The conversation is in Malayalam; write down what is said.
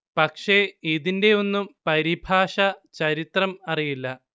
പക്ഷെ ഇതിന്റെ ഒന്നും പരിഭാഷ ചരിത്രം അറിയില്ല